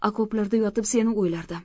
okoplarda yotib seni o'ylardim